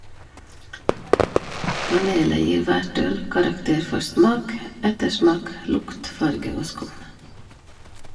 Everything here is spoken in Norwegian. Panelet gir hvert øl karakter for smak, ettersmak, lukt, farge og skum.